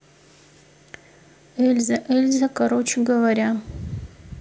эльза эльза короче говоря